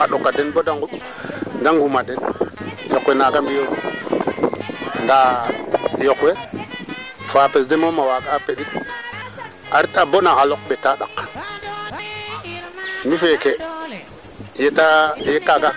mbaa o xooxa areer of saqin pexey waxtu fad o qicrel ax ke sekofe rang nga so xa fop kaaga jegooge to kaaga ndigilo